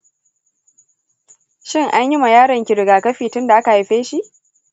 shin anyima yaron ki rigakafi tunda aka haife shi?